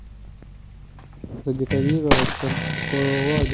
задекорировать колодец